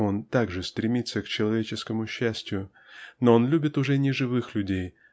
он также стремится к человеческому счастью но он любит уже не живых людей